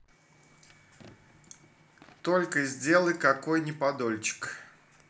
только сделай какой не подольчик